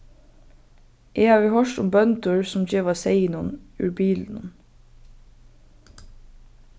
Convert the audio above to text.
eg havi hoyrt um bøndur sum geva seyðinum úr bilinum